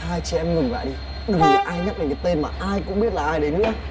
hai chị em ngừng lại đi đừng ai nhắc đến cái tên mà ai cũng biết là ai đấy nữa